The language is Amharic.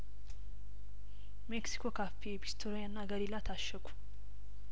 ሜክሲኮ ካፌ ቢስትሪያና ገሊላ ታሸጉ